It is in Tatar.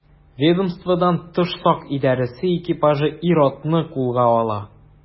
Ведомстводан тыш сак идарәсе экипажы ир-атны кулга ала.